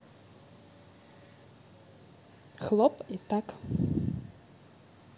хлоп и так